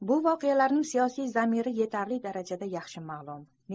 bu voqealarning siyosiy zamiri yetarli darajada yaxshi ma'lum